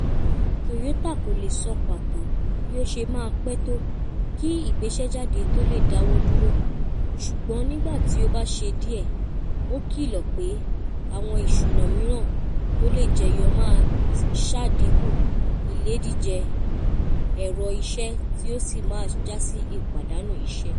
Toyota kò le sọ pàtò bí ó ṣe máa pẹ́ tó kí ìgbéṣẹ́jáde tó le dáwọ́ dúró, ṣùgbọ́n nígbà tí ó bá ṣe díẹ̀, ó kìlọ̀ pé àwọn ìṣùnà mìràn tó le jẹyọ máa ṣàdínkù ìledíje ẹ̀rọ ìṣẹ́ tí ó sì máa jásí ìpàdánù iṣẹ́.